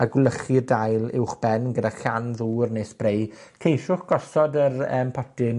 a gwlychu'r dail uwchben, gyda llan ddŵr neu sbrei, ceiswch gosod yr yym potyn